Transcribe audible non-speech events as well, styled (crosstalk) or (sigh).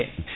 (hesitation) (hesitation)